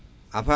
a faa